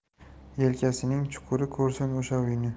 yelkasining chuquri ko'rsin o'sha uyni